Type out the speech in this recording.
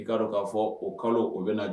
I ka don k'a fɔ o kalo u bɛ